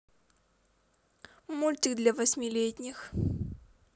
мультики для восьмилетних